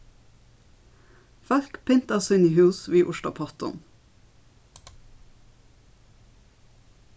fólk pynta síni hús við urtapottum